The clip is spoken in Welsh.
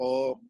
o